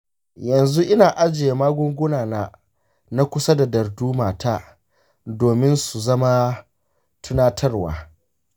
yanzu ina ajiye magunguna na kusa da darduma ta domin su zama tunatarwa.